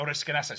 O'r esgynnasau?